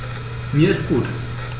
Mir ist gut.